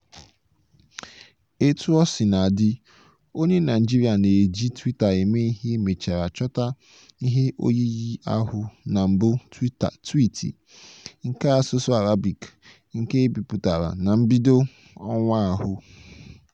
Etuosinadị, onye Naịjirịa na-eji Twitter eme ihe mechara chọta ihe oyiyi ahụ na mbụ twiiti nke asụsụ Arabic nke e bipụtara na mbido ọnwa ahụ.